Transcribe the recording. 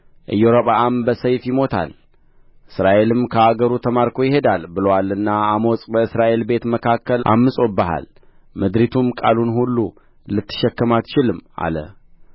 ኢዮርብዓም በሰይፍ ይሞታል እስራኤልም ከአገሩ ተማርኮ ይሄዳል ብሎአልና አሞጽ በእስራኤል ቤት መካከል ዐምፆብሃል ምድሪቱም ቃሉን ሁሉ ልትሸከም አትችልም አለ